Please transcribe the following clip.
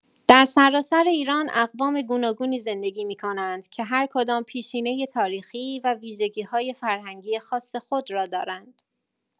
در سراسر ایران اقوام گوناگونی زندگی می‌کنند که هر کدام پیشینه تاریخی و ویژگی‌های فرهنگی خاص خود را دارند.